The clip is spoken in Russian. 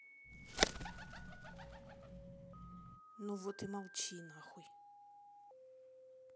ну вот и молчи нахуй